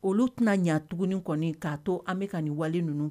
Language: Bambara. Olu tɛna ɲa tugun kɔni k'a to an bɛka ka nin wali ninnu